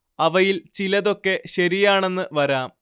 അവയിൽ ചിലതൊക്കെ ശരിയാണെന്ന് വരാം